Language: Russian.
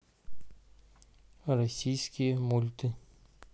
российские мульты